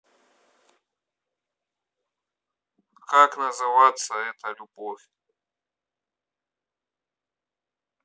как называться это любовь